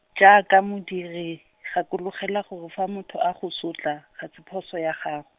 jaaka modiri, gakologelwa gore fa motho a go sotla, ga se phoso ya gago.